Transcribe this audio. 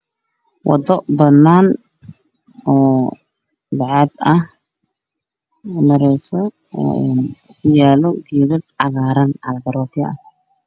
Waa wado banaan oo bacaad ah waxaa kabaxaayo geedo cagaaran oo caligaroobyo ah.